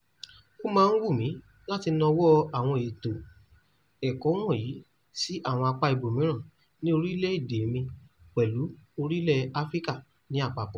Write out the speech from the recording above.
Ó máa wù mí láti nawọ́ àwọn ètò ẹ̀kọ́ wọ̀nyìí sí àwọn apá ibòmìíràn ní orílẹ̀-èdè mi pẹ̀lú orílẹ̀ Áfíríkà ní àpapọ̀.